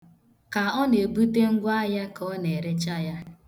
Ka ọ na-ebute ngwaahịa ka ọ na-erecha ya.